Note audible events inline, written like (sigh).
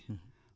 (hesitation) (hesitation)